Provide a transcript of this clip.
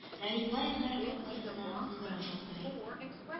Раимбаевларның капкасында кыңгырау шалтырый